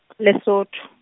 Lesotho.